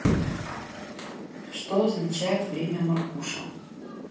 что означает время маркуша